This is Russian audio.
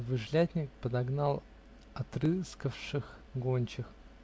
выжлятник подогнал отрыскавших гончих